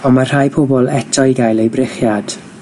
Ond mae rhai pobol eto i gael eu brechiad.